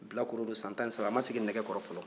bilakoro don san tan ni saba a ma sigi nɛgɛkɔrɔ fɔlɔ